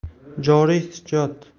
joriy schyot